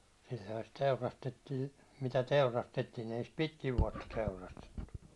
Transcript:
silloinhan sitä teurastettiin mitä teurastettiin ei sitä pitkin vuotta teurastettu